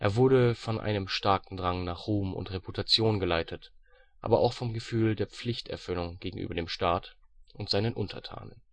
wurde von einem starken Drang nach Ruhm und Reputation geleitet, aber auch vom Gefühl der Pflichterfüllung gegenüber dem Staat und seinen Untertanen